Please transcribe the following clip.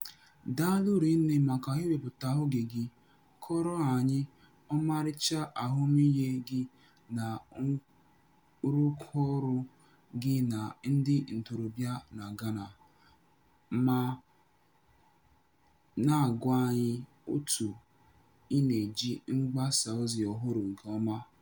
Daalụ rinne maka iwepụta oge gị kọọrọ anyị ọmarịcha ahụmihe gị na nrụkọọrụ gị na ndị ntorobịa na Ghana ma na-agwa anyị otu ị na-eji mgbasaozi ọhụrụ nke ọma.